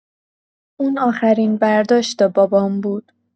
اون آخرین برداشت بابام بود.